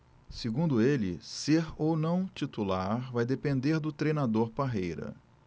segundo ele ser ou não titular vai depender do treinador parreira